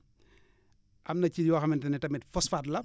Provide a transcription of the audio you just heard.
am na ci yoo xamante ne tamit phosphate la